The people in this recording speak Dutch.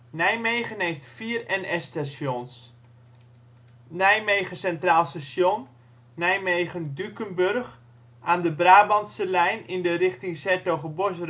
Nijmegen heeft vier NS-stations: Nijmegen Nijmegen Dukenburg (aan de Brabantse lijn in de richting ' s-Hertogenbosch